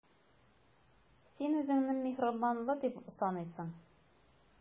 Син үзеңне миһербанлы дип саныйсың.